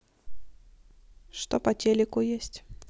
что по телеку есть